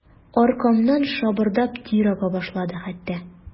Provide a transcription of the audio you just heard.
Аркамнан шабырдап тир ага башлады хәтта.